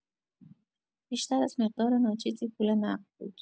بیشتر از مقدار ناچیزی پول نقد بود.